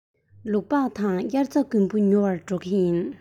ལུག པགས དང དབྱར རྩྭ དགུན འབུ ཉོ བར འགྲོ གི ཡིན